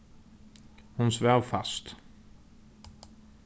hon svav fast